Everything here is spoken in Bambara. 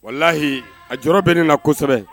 Wallahi a jɔrɔ bɛ ne na kosɛbɛ.